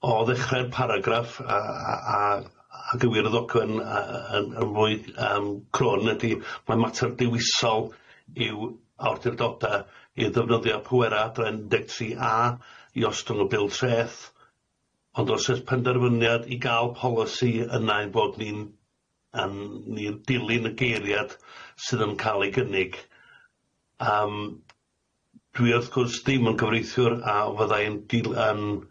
o ddechre'r paragraff ydi ma' mater diwisol i'w awdurdoda i ddefnyddio pwera adran un deg tri a i ostwng y bil treth, ond os o's penderfyniad i ga'l polisi yna ein bod ni'n yn ni'n dilyn y geiriad sydd yn ca'l 'i gynnig yym dwi wrth gwrs dim yn gyfreithiwr a fyddai'n dilyn yym